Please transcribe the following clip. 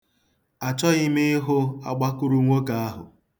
Achọghị m ịhụ agbakụrụnwoke ahụ.